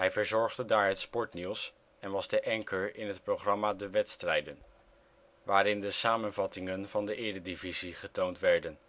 verzorgde daar het sportnieuws en was de anchor in het programma De Wedstrijden, waarin de samenvattingen van de Eredivisie getoond werden